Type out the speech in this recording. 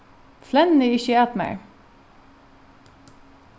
flennið ikki at mær